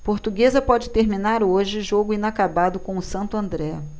portuguesa pode terminar hoje jogo inacabado com o santo andré